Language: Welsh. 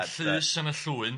'A'i llys yn y llwyn.'